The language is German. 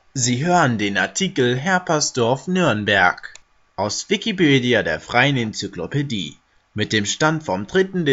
Sie hören den Artikel Herpersdorf (Nürnberg), aus Wikipedia, der freien Enzyklopädie. Mit dem Stand vom Der